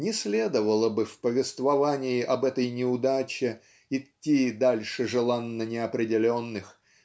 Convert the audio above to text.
не следовало бы в повествовании об этой неудаче идти дальше желанно-неопределенных